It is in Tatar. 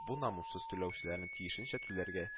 Бу намуссыз түләүчеләрне тиешенчә түләргә